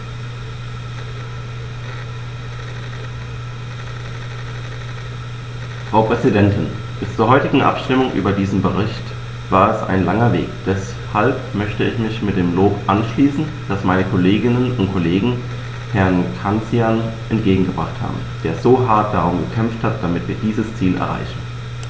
Frau Präsidentin, bis zur heutigen Abstimmung über diesen Bericht war es ein langer Weg, deshalb möchte ich mich dem Lob anschließen, das meine Kolleginnen und Kollegen Herrn Cancian entgegengebracht haben, der so hart darum gekämpft hat, damit wir dieses Ziel erreichen.